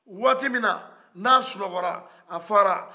waati mina ni a sinɔgɔra a fara